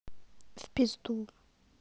в пизду